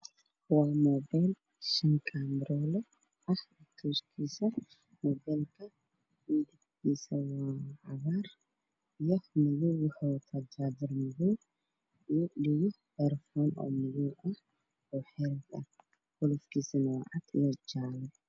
Waa muubeel shan kaamiroole ah oo cagaar iyo madow ah waxuu wataa jaajar madow iyo dhago madow ah, qolofkiisa waa jaale.